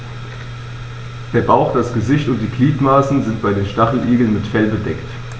Der Bauch, das Gesicht und die Gliedmaßen sind bei den Stacheligeln mit Fell bedeckt.